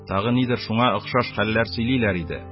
Тагы нидер шуңа охшаш хәлләр сөйлиләр иде